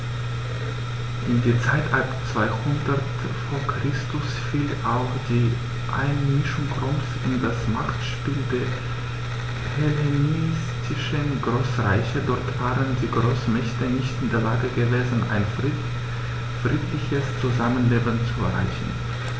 In die Zeit ab 200 v. Chr. fiel auch die Einmischung Roms in das Machtspiel der hellenistischen Großreiche: Dort waren die Großmächte nicht in der Lage gewesen, ein friedliches Zusammenleben zu erreichen.